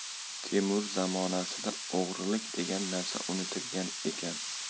temur zamonasida o'g'irlik degan narsa unutilgan ekan